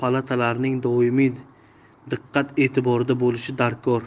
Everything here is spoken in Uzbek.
palatalarining doimiy diqqat e'tiborida bo'lishi darkor